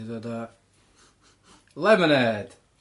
...di dod a Lemonêd.